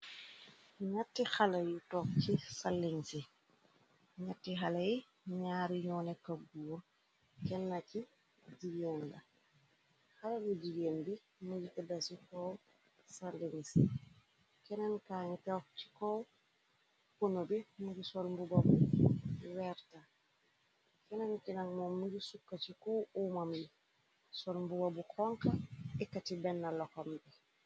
N'atti xala yu tog ci salinsi ñatti xale yi ñaari yoone kabuur kenna ci jigeen la xala lu jigéen bi miji te dasi kow salinsi keneen kaanu teox ci kow puno bi miji sormbuba bu werta keneen kinag moom miji sukka ci kow uumam bi sormbuba bu konka ika ci benn loxom bi.